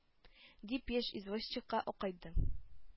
- дип, яшь извозчикка акайды.